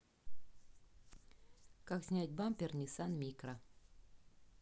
как снять бампер ниссан микро